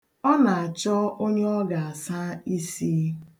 Ọ na-achọ onye ọ ga-asa isi.